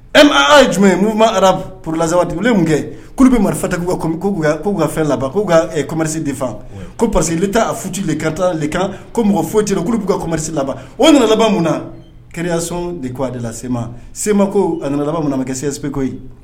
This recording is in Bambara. E ye jumɛn ye n' ma ara porolasaban kojugu tun kɛ bɛ marifa kou ka fɛn laban k'umasi defan ko parce queli bɛ taa a fi lekka lekka ko mɔgɔ foyitɲɛnau kamarisi laban o nana laban min na keyason de k koa de la sema sema ko a nana laban minnu a ma kɛ sese koyi koyi